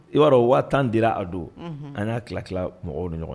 I b'a dɔn 50000 dira a don a nana tila tilla mɔgɔw ni ɲɔgɔn